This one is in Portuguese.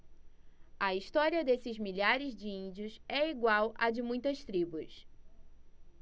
a história desses milhares de índios é igual à de muitas tribos